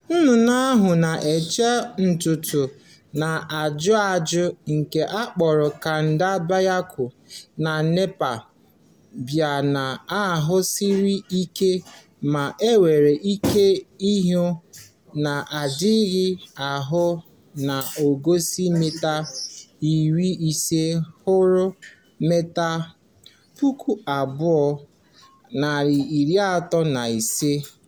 Nnụnnụ ahụ na-acha ntụ ntụ na aja aja, nke a kpọrọ Kaande Bhyakur na Nepal, bi na'ọhịa siri ike ma e nwere ike ịhụ ya na-ahịaghị ahụ n'ogo si mita 500 ruo mita 2135.